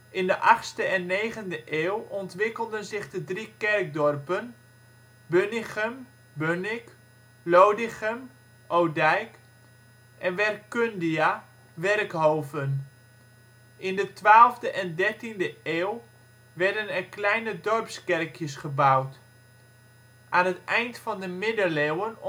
In de 8e en 9e eeuw ontwikkelden zich de drie kerkdorpen Bunninchem (Bunnik), lodichem (Odijk) en Wercundia (Werkhoven). In de 12e en 13e eeuw werden er kleine dorpskerkjes gebouwd. Aan het eind van de middeleeuwen